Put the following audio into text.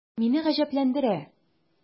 Мине гаҗәпләндерә: